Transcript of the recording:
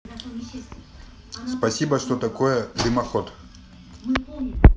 спасибо что такое дымоход